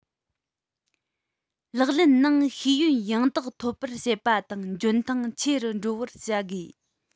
ལག ལེན ནང ཤེས ཡོན ཡང དག ཐོབ པར བྱེད པ དང འཇོན ཐང ཆེ རུ འགྲོ བར བྱ དགོས